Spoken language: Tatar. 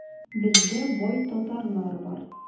Бездә бай татарлар бар.